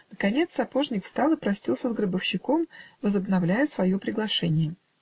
наконец сапожник встал и простился с гробовщиком, возобновляя свое приглашение.